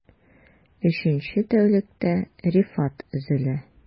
Өченче тәүлектә Рифат өзелә...